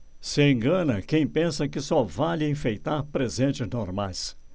se engana quem pensa que só vale enfeitar presentes normais